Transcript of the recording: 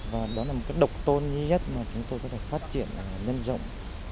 và đó là một cách độc tôn duy nhất mà chúng tôi có thể phát triển nhân rộng